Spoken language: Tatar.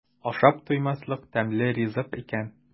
Ашап туймаслык тәмле ризык икән.